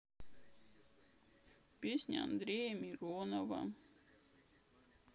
песня андрея миронова